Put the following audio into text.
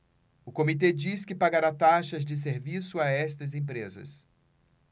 o comitê diz que pagará taxas de serviço a estas empresas